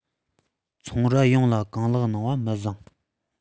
ཚོང རྭ ཡོངས ལ གང ལེགས གནང བ མི བཟང